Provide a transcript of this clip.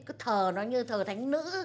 thờ nó như thờ thánh nữ